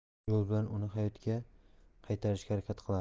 shu yo'l bilan uni hayotga qaytarishga harakat qiladi